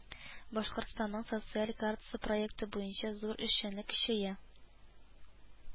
Башкортстанның социаль картасы проекты буенча зур эшчәнлек көчәя